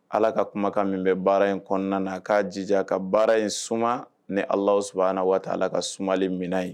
Ala ka kumakan min bɛ baara in kɔnɔna na k'a jija ka baara in su ni ala saba an waati ala ka sumalen minɛn ye